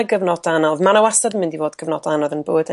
ma' 'na gyfnoda' anodd ma' n'w wastad yn mynd i fod cyfnoda' anodd yn yn bywyda'